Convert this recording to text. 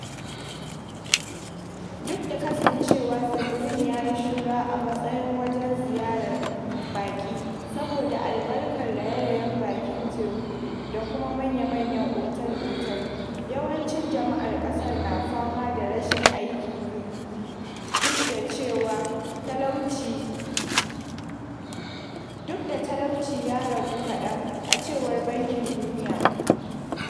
Duk da kasancewar tsibirin ya yi shuhura a matsayin wajen ziyarar baƙi saboda albarkar rairayin bakin teku da kuma manyan otal-otal, yawancin jama'ar ƙasar na fama da rashin aikin yi duk da cewa talauci ya ɗan ragu kaɗan, a cewar Bankin Duniya.